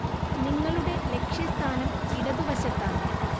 നിങ്ങളുടെ ലക്ഷ്യസ്ഥാനം ഇടതുവശത്താണ്